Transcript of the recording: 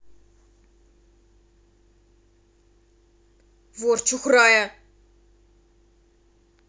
вор чухрая